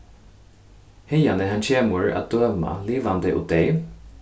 haðani hann kemur at døma livandi og deyð